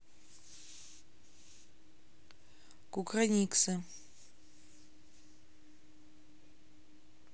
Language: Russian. кукрыниксы